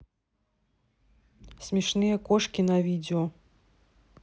смешные кошки на видео